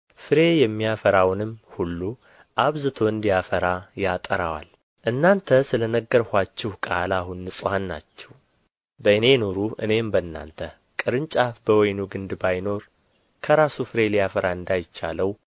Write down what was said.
ፍሬ የሚያፈራውንም ሁሉ አብዝቶ እንዲያፈራ ያጠራዋል እናንተ ስለ ነገርኋችሁ ቃል አሁን ንጹሐን ናችሁ በእኔ ኑሩ እኔም በእናንተ ቅርንጫፍ በወይኑ ግንድ ባይኖር ከራሱ ፍሬ ሊያፈራ እንዳይቻለው